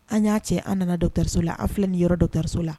An y'a cɛ an nana dɔw tariso la a filɛ ni yɔrɔ dɔw tariso la